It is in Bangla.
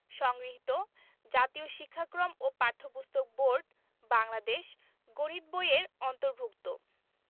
সংগৃহীত জাতীয় শিক্ষাক্রম ও পাঠ্যপুস্তক বোর্ড বাংলাদেশ গণিত বই-এর অন্তর্ভুক্ত